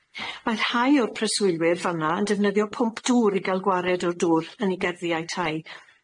Mae rhai o'r preswylwyr fan 'na yn defnyddio pwmp dŵr i ga'l gwared o'r dŵr yn i gerddiau tai.